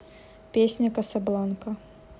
песня касабланка